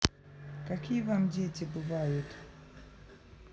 какие вам дети бывают